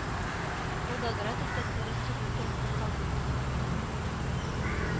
Волгоград өлкәсе, Ростов өлкәсе, Калмыкия